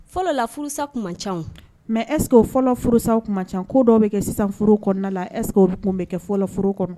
Fɔlɔ la furusa ca mɛ ɛssekeo fɔlɔ furusa kuma ca ko dɔw bɛ kɛ sisanf kɔnɔna la es kun bɛ kɛ fɔlɔoro kɔnɔ